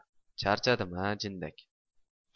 charchadim a jindak